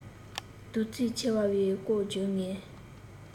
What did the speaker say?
སྡུག རྩུབ ཆེ བའི སྐོར བརྗོད ངེས